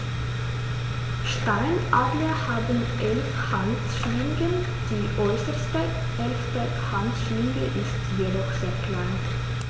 Steinadler haben 11 Handschwingen, die äußerste (11.) Handschwinge ist jedoch sehr klein.